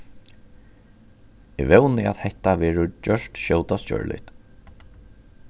eg vóni at hetta verður gjørt skjótast gjørligt